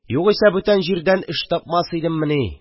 Югыйсә бүтән җирдән эш тапмас идеммени